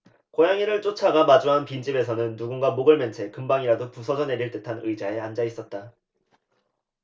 고양이를 쫓아가 마주한 빈집에서는 누군가 목을 맨 채 금방이라도 부서져 내릴 듯한 의자에 앉아 있었다